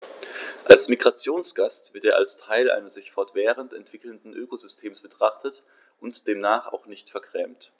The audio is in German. Als Migrationsgast wird er als Teil eines sich fortwährend entwickelnden Ökosystems betrachtet und demnach auch nicht vergrämt.